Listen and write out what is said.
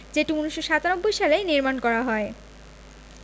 যেটি১৯৯৭ সালে নির্মাণ করা হয়